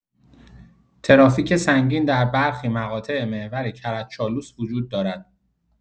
ترافیک سنگین در برخی مقاطع محور کرج چالوس وجود دارد.